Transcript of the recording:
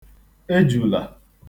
ejùlà